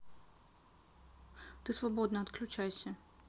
ты свободна отключайся